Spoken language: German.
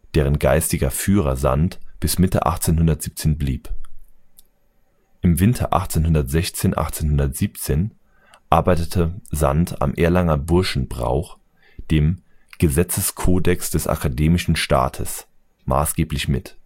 deren geistiger Führer Sand bis Mitte 1817 blieb. Im Winter 1816 / 1817 arbeitete Sand am Erlanger Burschenbrauch, dem „ Gesetzescodex des akademischen Staates “, maßgeblich mit